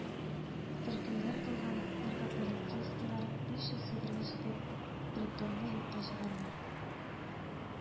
Төркемнәр кылган, наркополицейскийлар биш йөз егерме җиде притонны юкка чыгарган